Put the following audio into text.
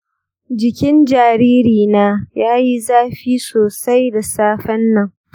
jikin jaririna ya yi zafi sosai da safen nan.